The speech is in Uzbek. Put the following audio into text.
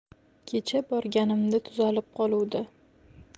kecha borganimda tuzalib qoluvdi